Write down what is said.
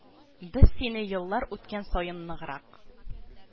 Без сине еллар үткән саен ныграк